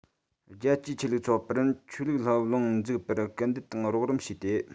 རྒྱལ གཅེས ཆོས ལུགས ཚོགས པར ཆོས ལུགས སློབ གླིང འཛུགས པར སྐུལ འདེད དང རོགས རམ བྱས ཏེ